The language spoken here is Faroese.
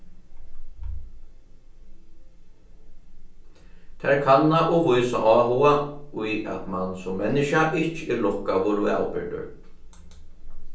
tær kanna og vísa áhuga í at mann sum menniskja ikki er lukkaður og avbyrgdur